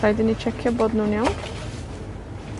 Rhaid i ni tsecio bod nw'n iawn.